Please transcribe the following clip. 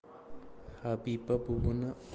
habiba buvini oxirgi